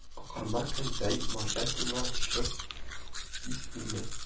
– акырма, кәнтәй марҗа, сиңа чорт тисенме